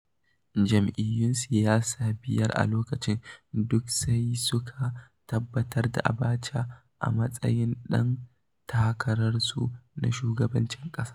Jam'iyyun siyasa biyar na lokacin duk sai suka tabbatar da Abacha a matsayin ɗan takararsu na shugabancin ƙasa.